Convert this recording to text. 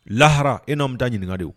Lahara e n'anmi taa ɲininkaka de